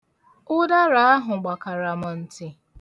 Ụdara ahụ agbakara m nti.